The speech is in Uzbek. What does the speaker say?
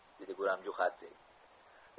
dedi guram jo'xadze